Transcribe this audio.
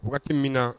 Wagati min na